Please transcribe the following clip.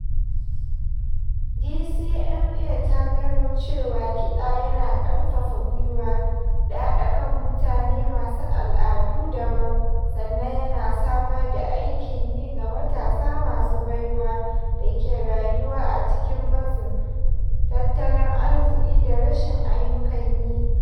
DCMA ta gano cewa kiɗa yana karfafa gwiwa da haɗa kan mutane masu al'adu dabam - sannan yana samar da aikin yi ga matasa masu baiwa da ke rayuwa a cikin matsin tattalin arziƙi da rashin aiyukan yi.